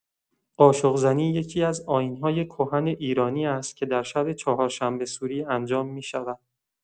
قاشق‌زنی یکی‌از آیین‌های کهن ایرانی است که در شب چهارشنبه‌سوری انجام می‌شود.